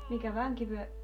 mikä -